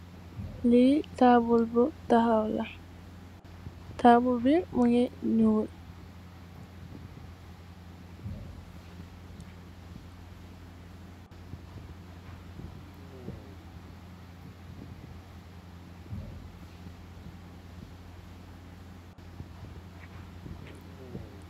Li tabull bu taxaw la, tabull bi mugii ñuul.